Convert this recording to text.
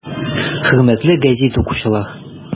Хөрмәтле гәзит укучылар!